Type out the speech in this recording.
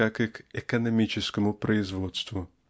Как и к экономическому производству.